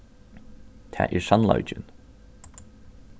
tað er sannleikin